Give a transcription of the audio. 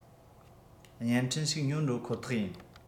བརྙན འཕྲིན ཞིག ཉོ འགྲོ ཁོ ཐག ཡིན